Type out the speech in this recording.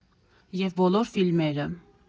ԵՒ բոլոր ֆիլմերը։